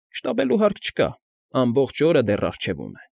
Շտապելու հարկ չկա, ամբողջ օրը դեռ առջևում է։